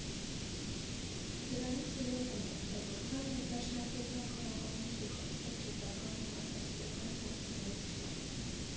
Դրանցից երևում է, թե որքան ներդաշնակ էր նա կարողանում զուգակցել գիտական ու մարդասիրական գործունեությունը։